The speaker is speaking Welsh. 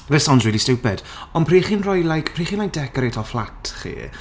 This sounds really stupid ond pryd chi'n rhoi like... pryd chi'n like decyreito fflat chi...